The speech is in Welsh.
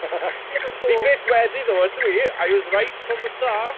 ... Neb yn hoff... Fi byth wedi ddo ydw i?! I was right from the start.